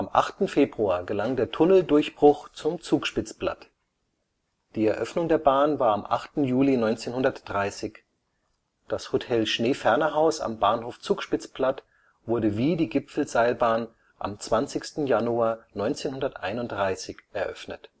8. Februar gelang der Tunnel-Durchbruch zum Zugspitzplatt. Die Eröffnung der Bahn war am 8. Juli 1930, das Hotel Schneefernerhaus am Bahnhof Zugspitzplatt wurde wie die Gipfelseilbahn am 20. Januar 1931 eröffnet